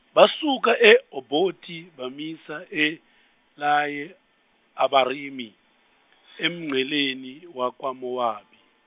basuka e Oboti bamisa e laye Abarimi emngceleni wakaMowabi.